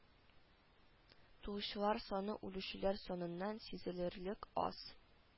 Туучылар саны үлүчеләр саныннан сизелерлек аз